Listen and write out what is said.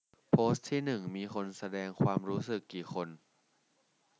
โพสต์ที่หนึ่งมีคนแสดงความรู้สึกกี่คน